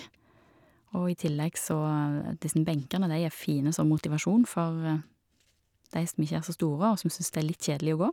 Og i tillegg så, disse benkene de er fine som motivasjon for de som ikke er så store, og som synes det er litt kjedelig å gå.